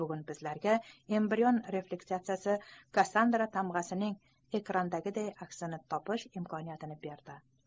bugun bizlarga embrion refleksiyasi kassandra tamg'asining ekrandagiday aksini topish imkoniyati berilgan